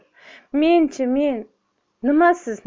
men chi men nima siz